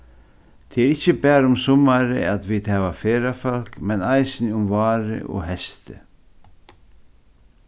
tað er ikki bara um summarið at vit hava ferðafólk men eisini um várið og heystið